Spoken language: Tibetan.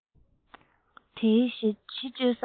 དེའི གཞི བཅོལ ས